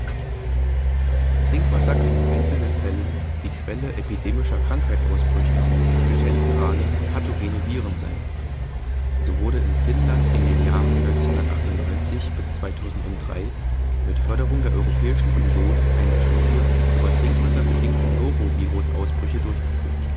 Trinkwasser kann in einzelnen Fällen die Quelle epidemischer Krankheitsausbrüche durch enterale pathogene Viren sein. So wurde in Finnland in den Jahren 1998 bis 2003 mit Förderung der Europäischen Union eine Studie über trinkwasserbedingte Norovirus-Ausbrüche durchgeführt